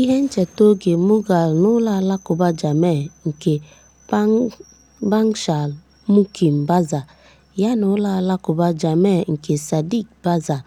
Ihe ncheta oge Mughal n'Ụlọ Alakụba Jam-e nke Bangshal Mukim Bazar yana Ụlọ Alakuba Jam-e nke Saddique Bazar